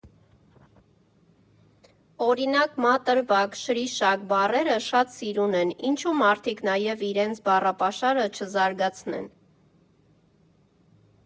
Օրինակ՝ «մատռվակ», «շրիշակ» բառերը շատ սիրուն են, ինչու՞ մարդիկ նաև իրենց բառապաշարը չզարգացնեն.